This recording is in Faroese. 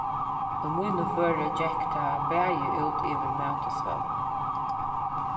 í mínum føri gekk tað bæði út yvir mat og svøvn